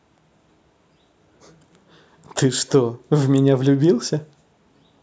ты что в меня влюбился